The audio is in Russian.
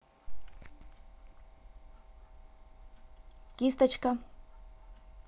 кисточка